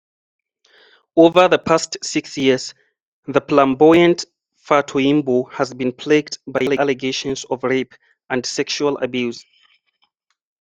Over the past six years, the flamboyant Fatoyinbo has been plagued by allegations of rape and sexual abuse.